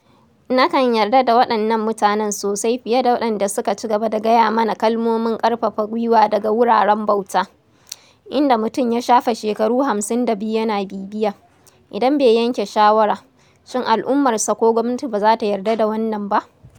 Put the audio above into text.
Nakan yarda da waɗannan mutanen sosai fiye da waɗanda suka ci gaba da gaya mana kalmomin ƙarfafa gwiwa daga wuraren bauta, inda mutum ya shafe shekaru 52 yana bibiya, idan bai yanke shawara, shin al'ummarsa ko gwamnati ba za ta yarda da wannan ba?